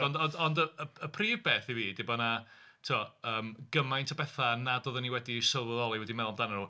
Ond, ond, ond, y y prif beth i fi 'dy bod 'na, tibod, yym gymaint o betha nad oeddwn i wedi sylweddoli wedi meddwl amdanyn nhw.